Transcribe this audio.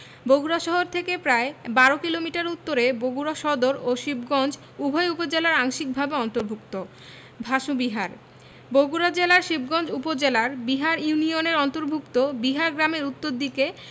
বগুড়া শহর থেকে প্রায় ১২ কিলোমিটার উত্তরে বগুড়া সদর ও শিবগঞ্জ উভয় উপজেলায় আংশিকভাবে অন্তর্ভুক্ত ভাসু বিহার বগুড়া জেলার শিবগঞ্জ উপজেলার বিহার ইউনিয়নের অন্তর্ভুক্ত বিহার গ্রামের উত্তর দিকে